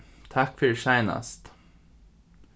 takk fyri seinast